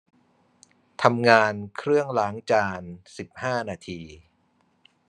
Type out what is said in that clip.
ทำงานเครื่องล้างจานสิบห้านาที